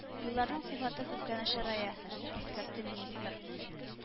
Юлларның сыйфаты күпкә начарая, - дип искәртте министр